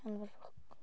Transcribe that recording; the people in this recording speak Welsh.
Llanfairpwll.